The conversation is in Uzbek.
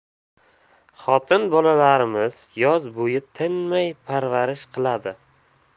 xotin bolalarimiz yoz bo'yi tinmay parvarish qiladi